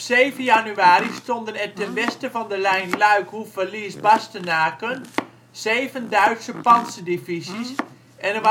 7 januari stonden er ten westen van de lijn Luik-Houffalize-Bastenaken zeven Duitse pantserdivisies en